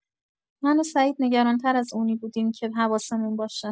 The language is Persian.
من و سعید نگران‌تر از اونی بودیم که حواسمون باشه.